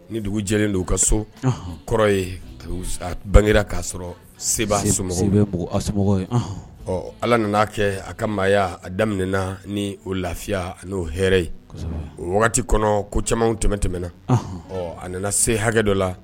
Ni dugu jɛlen don ka so kɔrɔ ye a bangera k'a sɔrɔ se bɛ ɔ ala nana'a kɛ a ka maaya a daminɛɛna ni o lafiya n'o hɛrɛ ye o wagati kɔnɔ ko camanw tɛmɛn tɛmɛnɛna ɔ a nana se hakɛ dɔ la